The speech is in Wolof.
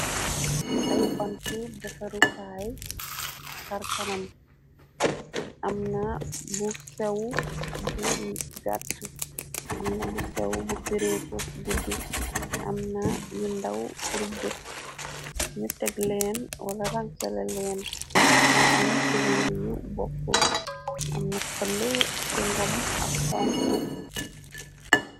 Ay bantu defarukaay karkaram amna bu sew bu gàtt amna bu sew bu fireeko gudd am na yu ndaw kurub-bët ñu teg leen wala rangsala leen ni am kulóor yu bokkul amna xël te ngom ak xonko.